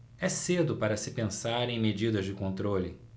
é cedo para se pensar em medidas de controle